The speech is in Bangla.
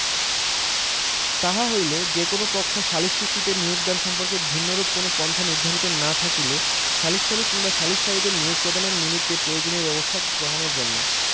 তাহা হইলে যে কোন পক্ষ সালিস চুক্তিতে নিয়োগদান সম্পর্কে ভিন্নরূপ কোন পন্থা নির্ধারিত না থাকিলে সালিসকারী কিংবা সালিসকারীদের নিয়োগ প্রদানের নিমিত্ত প্রয়োজনীয় ব্যবস্থা গ্রহণের জন্য